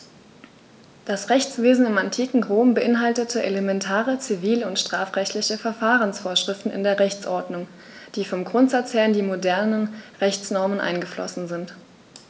Das Rechtswesen im antiken Rom beinhaltete elementare zivil- und strafrechtliche Verfahrensvorschriften in der Rechtsordnung, die vom Grundsatz her in die modernen Rechtsnormen eingeflossen sind.